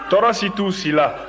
tɔɔrɔ si t'u si la